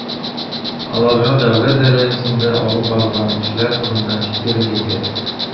Аларга дәүләт дәрәҗәсендә алып барылган эшләр турында җиткерергә кирәк.